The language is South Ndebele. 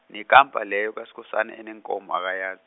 nekampa leyo, kaSkhosana eneenkomo akaya-.